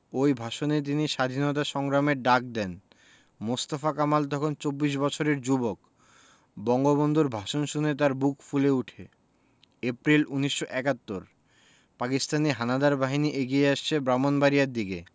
ওই ভাষণে তিনি স্বাধীনতা সংগ্রামের ডাক দেন মোস্তফা কামাল তখন চব্বিশ বছরের যুবক বঙ্গবন্ধুর ভাষণ শুনে তাঁর বুক ফুলে ওঠে এপ্রিল ১৯৭১ পাকিস্তানি হানাদার বাহিনী এগিয়ে আসছে ব্রাহ্মনবাড়িয়ার দিকে